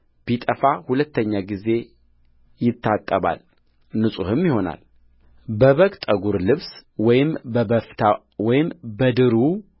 ቢጠፋ ሁለተኛ ጊዜ ይታጠባል ንጹሕም ይሆናልበበግ ጠጕር ልብስ ወይም በበፍታ ወይም በድሩ